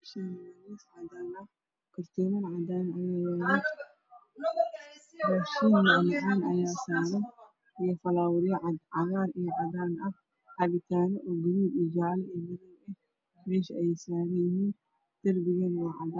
Meeshani waa meel cadaan ah waxa yaalo gartoomo cadaan ah Rashi ayaa saran iyo cabitaano cagaar ah